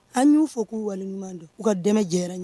An y'u fɔ k'u waliɲumanuma don k'u ka dɛmɛ diyara ɲɛ